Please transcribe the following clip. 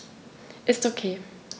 Ist OK.